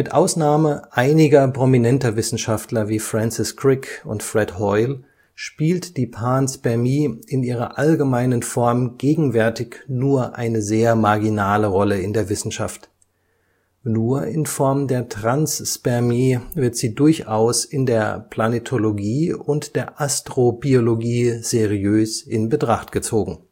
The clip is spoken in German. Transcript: Ausnahme einiger prominenter Wissenschaftler wie Francis Crick und Fred Hoyle spielt die Panspermie in ihrer allgemeinen Form gegenwärtig nur eine sehr marginale Rolle in der Wissenschaft. Nur in Form der Transspermie wird sie durchaus in der Planetologie und der Astrobiologie seriös in Betracht gezogen